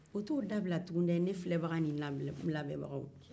o tɛ o dabila dɛɛ ne filɛbaga ni ne lamɛnbagaw